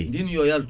ndin yo yaltu